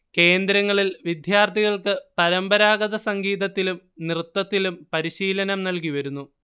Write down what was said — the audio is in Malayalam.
കേന്ദ്രങ്ങളിൽ വിദ്യാർഥികൾക്ക് പരമ്പരാഗത സംഗീതത്തിലും നൃത്തത്തിലും പരിശീലനം നൽകി വരുന്നു